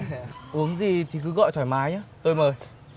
uống gì thì cứ gọi thoải mái nhá tôi mời